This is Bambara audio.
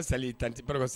Sali Tanti Barɔ ka Sa